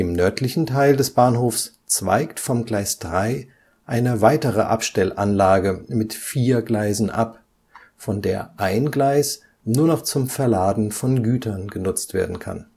nördlichen Teil des Bahnhofs zweigt vom Gleis 3 eine weitere Abstellanlage mit vier Gleisen ab, von der ein Gleis noch zum Verladen von Gütern genutzt werden kann